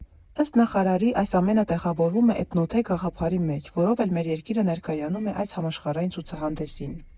Ըստ նախարարի, այս ամենը տեղավորվում է «Էթնոթեք» գաղափարի մեջ, որով էլ մեր երկիրը ներկայանում է այս համաշխարհային ցուցահանդեսին։